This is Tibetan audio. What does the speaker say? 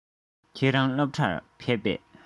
ཁྱེད རང སློབ གྲྭར ཕེབས པས